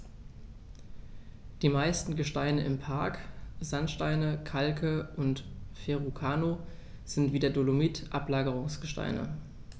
Die meisten Gesteine im Park – Sandsteine, Kalke und Verrucano – sind wie der Dolomit Ablagerungsgesteine.